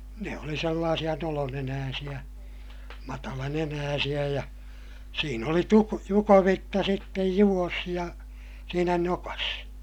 ne oli sellaisia nolonenäisiä matalanenäisiä ja siinä oli - jukovitsa sitten juossa ja siinä nokassa